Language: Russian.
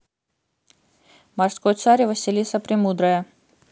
морской царь и василиса премудрая